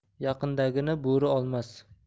yaqindagini bo'ri olmas